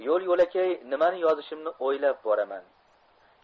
yo'l yo'lakay nimani yozishimni o'ylab boraman